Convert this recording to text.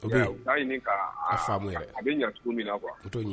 O bɛ yen. U t'a ɲini kaa aa. A faamu yɛrɛ. A bɛ ɲa cogo min na quoi . U t'o ɲini